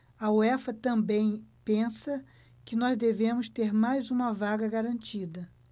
a uefa também pensa que nós devemos ter mais uma vaga garantida